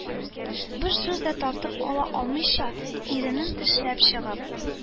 Бер сүз дә тартып ала алмыйча, иренен тешләп чыгып